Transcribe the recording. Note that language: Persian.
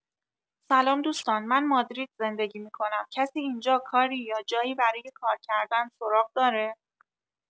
سلام دوستان من مادرید زندگی می‌کنم کسی اینجا کاری یا جایی برای کار کردن سراغ داره؟